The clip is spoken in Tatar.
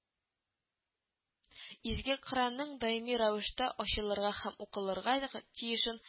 Изге Коръәннең даими рәвештә ачылырга һәм укылырга тиешен